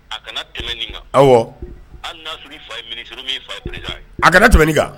A kana tɛmɛ nin kan, awɔ, hali n'a y'a sɔrɔ i fa ye ministre ye ou bien i fa ye président ye, a kana tɛmɛ nin kan.